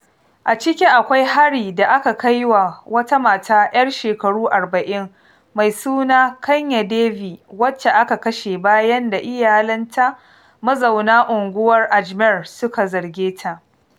A ciki akwai hari da aka kai wa wata mata 'yar shekaru 40 mai suna Kanya Devi wacce aka kashe bayan da iyalanta mazauna unguwar Ajmer suka zarge ta.